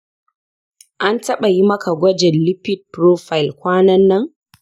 an taɓa yi maka gwajin lipid profile kwanan nan?